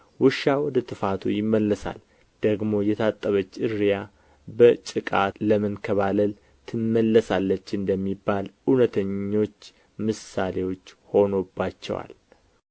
ውሻ ወደ ትፋቱ ይመለሳል ደግሞ የታጠበች እርያ በጭቃ ለመንከባለል ትመለሳለች እንደሚባል እውነተኞች ምሳሌዎች ሆኖባቸዋል